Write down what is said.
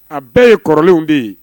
A bɛɛ ye kɔrɔlenw de ye